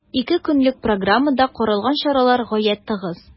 Ике көнлек программада каралган чаралар гаять тыгыз.